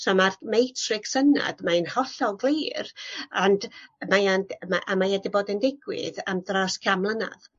so ma'r matrics yna mae'n hollol glir ond mae an- a mae e 'di bod yn digwydd am dros can mlynadd.